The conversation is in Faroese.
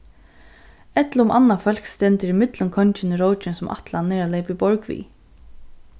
ella um annað fólk stendur ímillum kongin og rókin sum ætlanin er at leypa í borg við